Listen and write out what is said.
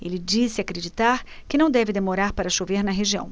ele disse acreditar que não deve demorar para chover na região